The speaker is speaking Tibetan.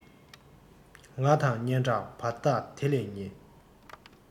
ང དང སྙན གྲགས བར ཐག དེ ལས ཉེ